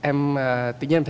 em à tự nhiên